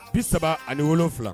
37